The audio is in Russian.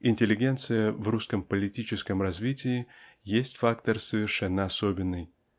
Интеллигенция в русском политическом развитии есть фактор совершенно особенный